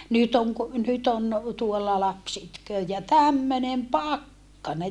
nyt on - nyt on tuolla lapsi itkee ja tämmöinen pakkanen